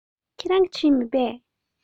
ཁྱེད རང གིས བྲིས མེད པས